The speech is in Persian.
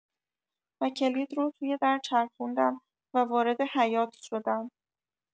و کلید رو توی در چرخوندم و وارد حیاط شدم.